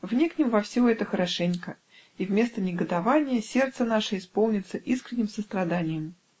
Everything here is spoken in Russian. Вникнем во все это хорошенько, и вместо негодования сердце наше исполнится искренним состраданием.